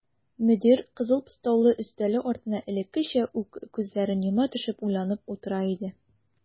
Мөдир кызыл постаулы өстәле артында элеккечә үк күзләрен йома төшеп уйланып утыра иде.